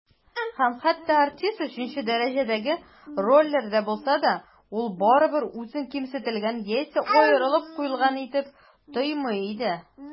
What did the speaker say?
Һәм хәтта артист өченче дәрәҗәдәге рольләрдә булса да, ул барыбыр үзен кимсетелгән яисә аерылып куелган итеп тоймый иде.